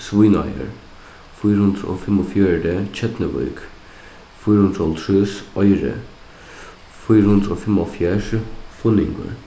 svínáir fýra hundrað og fimmogfjøruti tjørnuvík fýra hundrað og hálvtrýss oyri fýra hundrað og fimmoghálvfjerðs funningur